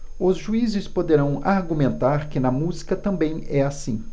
os juízes poderão argumentar que na música também é assim